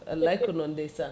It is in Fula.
wallay ko noon ndeysan